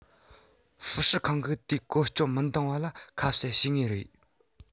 ཧྥུའུ ཧྲི ཁང གིས དེ བཀོལ སྤྱོད མི འདང བ ཁ གསབ བྱེད ངེས རེད